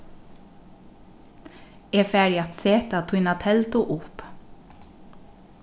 eg fari at seta tína teldu upp